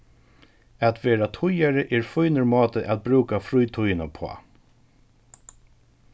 at vera týðari er fínur máti at brúka frítíðina uppá